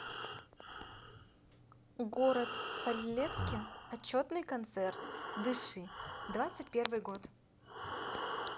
город солилецке отчетный концерт дыши двадцать первый год